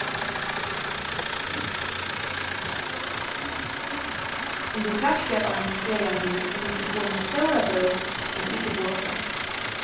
um tú krassjar á ein parkeraðan bil so kanst tú fáa eina stóra bót um tú ikki boðar frá